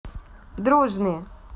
дружные